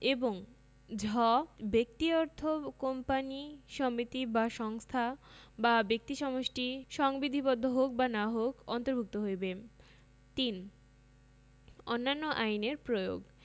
এবং ঝ ব্যক্তি অর্থ কোম্পানী সমিতি বা সংস্থা বা ব্যক্তি সমষ্টি সংবিধিবদ্ধ সংবিধিবদ্ধ হউক বা না হউক অন্তর্ভুক্ত হইবে ৩ অন্যান্য আইনের প্রয়োগঃ